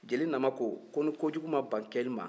jeli nama ko ko ni ko jugu ma ban kɛli ma